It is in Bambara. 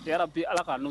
Yarabi Ala ka no